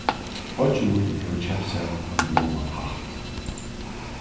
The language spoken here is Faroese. beiggi mín hevur keypt sær ein bláan hatt